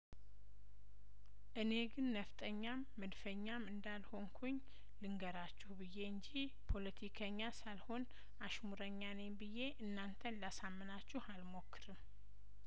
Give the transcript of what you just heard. እኔ ግን ነፍጠኛም መድፈኛም እንዳልሆኩኝ ልንገራችሁ ብዬ እንጂ ፖለቲከኛ ሳልሆን አሽሙረኛ ነኝ ብዬ እናንተን ላሳምናችሁ አልሞክርም